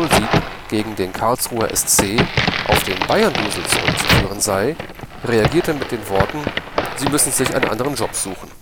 1:0-Sieg gegen den Karlsruher SC auf den Bayerndusel zurückzuführen sei, reagierte mit den Worten: „ Sie müssen sich einen anderen Job suchen